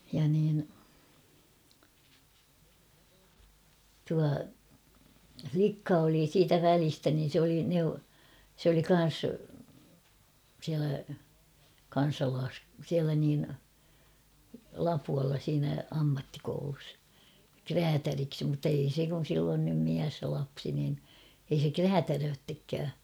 ja niin tuo likka oli siitä välistä niin se oli - se oli kanssa siellä - siellä niin Lapualla siinä ammattikoulussa räätäliksi mutta ei se kun sillä on nyt mies ja lapsi niin ei se räätälöitsekään